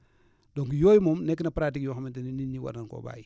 donc yooyu moom nekk na pratique yoo xamante ni nit ñi war nañ koo bàyyi